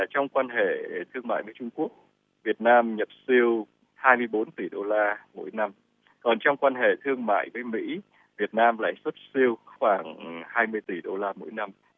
trong quan hệ thương mại với trung quốc việt nam nhập siêu hai mươi bốn tỷ đô la mỗi năm còn trong quan hệ thương mại với mỹ việt nam lại xuất siêu khoảng hai mươi tỷ đô la mỗi năm